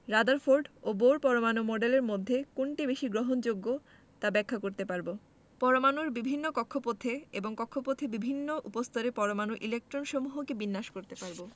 Rutherford ও Bohr পরমাণু মডেলের মধ্যে কোনটি বেশি গ্রহণযোগ্য তা ব্যাখ্যা করতে পারব পরমাণুর বিভিন্ন কক্ষপথে এবং কক্ষপথের বিভিন্ন উপস্তরে পরমাণুর ইলেকট্রনসমূহকে বিন্যাস করতে পারব